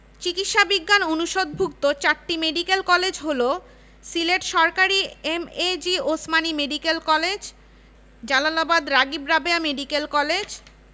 চিকিৎসা বিজ্ঞান অনুষদভুক্ত চারটি মেডিকেল কলেজ হলো সিলেট সরকারি MAG Osmani medical college Jalalabad Ragib Rabeya medical college